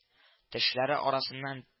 – тешләре арасыннан